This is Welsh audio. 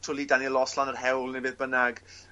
twli Daniel Oss lan yr hewl ne' bynnag.